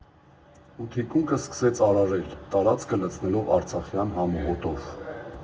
Ու թիկունքը սկսեց արարել՝ տարածքը լցնելով արցախյան համուհոտով։